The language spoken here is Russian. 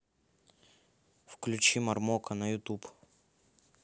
включи мармока на ютуб